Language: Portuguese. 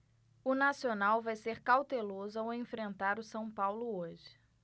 o nacional vai ser cauteloso ao enfrentar o são paulo hoje